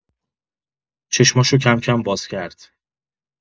چشماشو کم‌کم باز کرد.